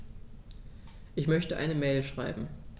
Ich möchte eine Mail schreiben.